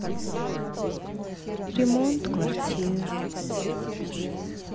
ремонт квартир